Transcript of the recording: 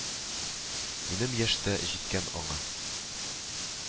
Минем яшь тә җиткән аңа